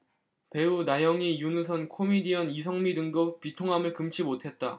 배우 나영희 윤유선 코미디언 이성미 등도 비통함을 금치 못했다